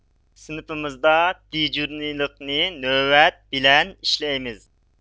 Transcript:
سىنىپىمىزدا دىجورنىلىقنى نۆۋەت بىلەن ئىشلەيمىز